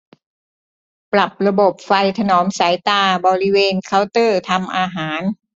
ปรับระบบไฟถนอมสายตาบริเวณเคาน์เตอร์ทำอาหาร